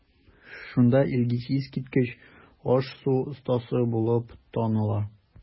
Шунда Илгиз искиткеч аш-су остасы булып таныла.